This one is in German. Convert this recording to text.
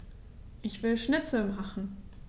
Ich will Schnitzel machen.